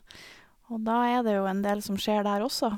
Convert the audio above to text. Og da er det jo en del som skjer der også.